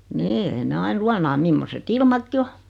niin ei ne aina luonaa mimmoiset ilmatkin on